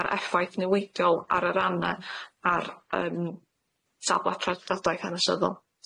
a'r effaith newidiol ar yr arne ar yym safle preifataeth hanesyddol.